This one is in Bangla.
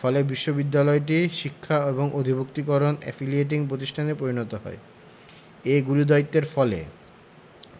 ফলে বিশ্ববিদ্যালয়টি শিক্ষা এবং অধিভূক্তিকরণ এফিলিয়েটিং প্রতিষ্ঠানে পরিণত হয় এ গুরুদায়িত্বের ফলে